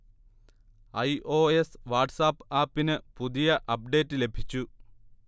I. O. S WhatsApp ആപ്പിന് പുതിയ update ലഭിച്ചു